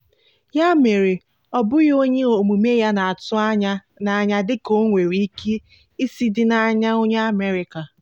Ya mere, ọ bụghị onye omume ya na-atụ anyị n'anya dịka o nwere ike isi dị n'anya onye America.